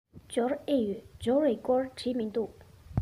འབྱོར ཨེ ཡོད འབྱོར བའི སྐོར བྲིས མི འདུག